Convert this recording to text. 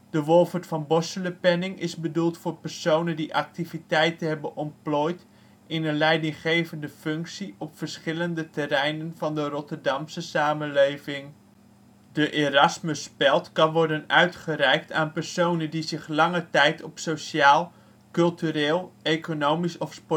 de Wolfert van Borselenpenning is bedoeld voor personen die activiteiten hebben ontplooid in een leidinggevende functie op verschillende terreinen van de Rotterdamse samenleving. de Erasmusspeld speld kan worden uitgereikt aan personen die zich lange tijd op sociaal, cultureel, economisch of